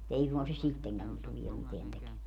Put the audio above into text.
mutta ei suinkaan se sittenkään tulee mitään -